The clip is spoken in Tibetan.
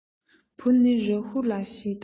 བུ ནི རཱ ཧུ ལ ཞེས དང